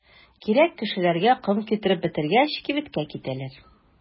Кирәк кешеләргә ком китереп бетергәч, кибеткә китәләр.